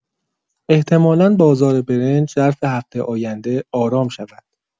احتمالا بازار برنج ظرف هفته آینده آرام شود.